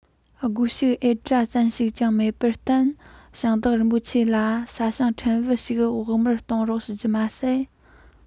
སྒོ ཕྱུགས ཨབ བྲ ཙམ ཞིག ཀྱང མེད པར བརྟེན ཞིང བདག རིན པོ ཆེ ལ ས ཞིང ཕྲན བུ ཞིག བོགས མར གཏོང རོགས ཞུ རྒྱུ མ ཟད